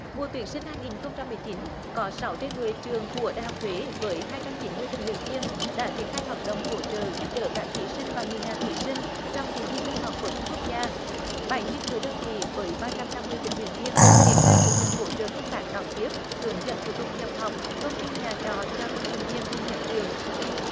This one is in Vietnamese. mùa tuyển sinh hai nghìn không trăm mười chín có sáu trên mười trường của đại học huế với hai trăm chín mươi tình nguyện viên đã triển khai hoạt động hỗ trợ giúp đỡ các thí sinh và người nhà thí sinh trong kỳ thi trung học phổ thông quốc gia bảy trên mười đơn vị với ba trăm năm mươi tình nguyện viên triển khai đội hình hỗ trợ công tác đón tiếp hướng dẫn thủ tục nhập học thông tin nhà trọ cho tân sinh viên khi nhập trường